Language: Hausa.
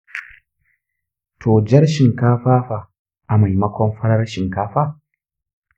to jar shinkafa fa a maimakon farar shinkafa?